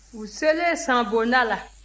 u selen sanbonda la